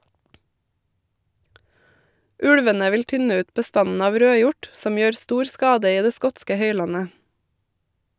Ulvene vil tynne ut bestanden av rødhjort, som gjør stor skade i det skotske høylandet.